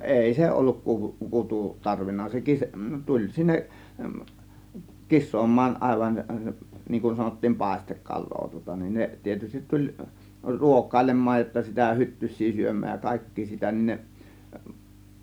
ei se ollut - kutu tarvinnut se - tuli sinne kisaamaan aivan niin kuin sanottiin paistekalaa tuota niin ne tietysti tuli ruokailemaan jotta sitä hyttysiä syömään ja kaikkia sitä niin ne